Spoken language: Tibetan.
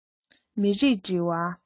མི རིགས འབྲེལ བ